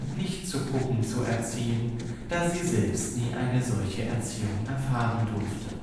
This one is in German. nicht zu Puppen zu erziehen, da sie selbst nie eine solche Erziehung genießen durfte